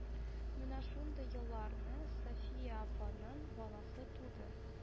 Менә шундый елларны Сафия апаның баласы туды